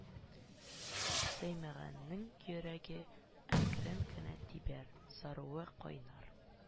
Сөймәгәннең йөрәге әкрен генә тибәр, саруы кайнар